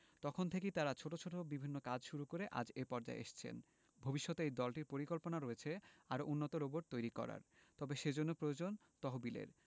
তখন থেকেই তারা ছোট ছোট বিভিন্ন কাজ শুরু করে আজ এ পর্যায়ে এসেছেন ভবিষ্যতে এই দলটির পরিকল্পনা রয়েছে আরও উন্নত রোবট তৈরি করার তবে সেজন্য প্রয়োজন তহবিলের